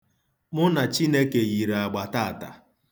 Mụ na Chineke yiri agba taata.